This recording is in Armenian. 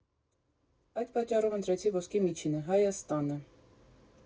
Այդ պատճառով ընտրեցի ոսկե միջինը՝ Հայաստանը։